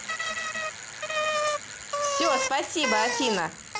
все спасибо афина